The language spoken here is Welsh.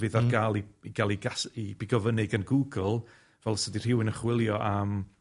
fydd ar ga'l i i ga'l 'i gas- 'i bigo fynny gen Google fel os ydi rhywun yn chwilio am